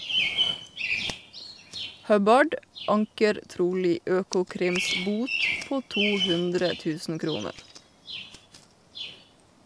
Hubbard anker trolig Økokrims bot på 200.000 kroner.